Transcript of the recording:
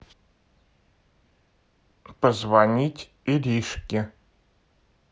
позвонить иришки